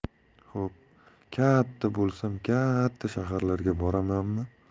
xo'p katta bo'lsam kaaatta shaharlarga boramanmi